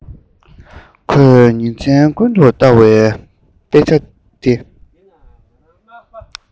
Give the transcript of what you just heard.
ཁོས ཉིན མཚན ཀུན ཏུ ལྟ བའི